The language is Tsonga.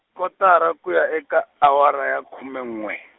kotara ku ya eka awara ya khume n'we.